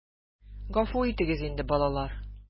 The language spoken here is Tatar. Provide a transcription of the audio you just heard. Гафу итегез инде, балалар...